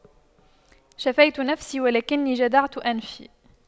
شفيت نفسي ولكن جدعت أنفي